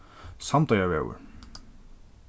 sandoyarvegur